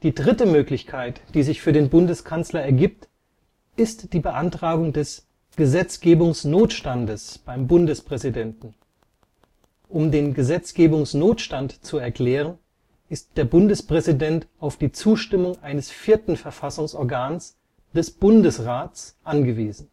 dritte Möglichkeit, die sich für den Bundeskanzler ergibt, ist die Beantragung des Gesetzgebungsnotstandes beim Bundespräsidenten. Um den Gesetzgebungsnotstand zu erklären, ist der Bundespräsident auf die Zustimmung eines vierten Verfassungsorgans, des Bundesrats, angewiesen